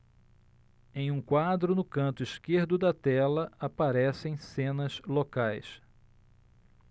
em um quadro no canto esquerdo da tela aparecem cenas locais